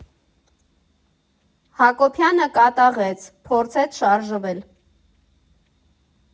Հակոբյանը կատաղեց, փորձեց շարժվել։